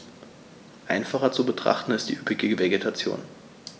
Einfacher zu betrachten ist die üppige Vegetation.